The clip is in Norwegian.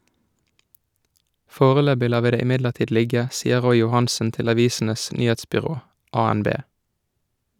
Foreløpig lar vi det imidlertid ligge, sier Roy Johansen til Avisenes Nyhetsbyrå (ANB).